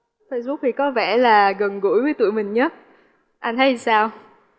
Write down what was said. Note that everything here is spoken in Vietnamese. phây búc thì có vẻ là gần gũi với tụi mình nhất anh thấy sao